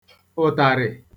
ụ̀tàrị̀